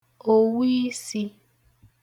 òwu isī